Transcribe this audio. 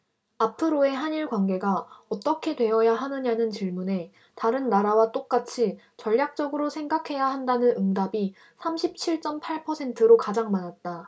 앞으로의 한 일 관계가 어떻게 되어야 하느냐는 질문에 다른 나라와 똑같이 전략적으로 생각해야 한다는 응답이 삼십 칠 쩜 팔 퍼센트로 가장 많았다